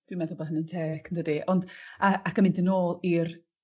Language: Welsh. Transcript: Dwi'n meddwl bo' hynny'n teg yndydi? Ond a- ac yn mynd yn ôl i'r